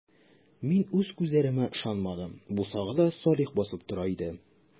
Мин үз күзләремә ышанмадым - бусагада Салих басып тора иде.